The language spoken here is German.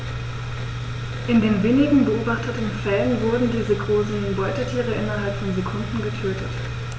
In den wenigen beobachteten Fällen wurden diese großen Beutetiere innerhalb von Sekunden getötet.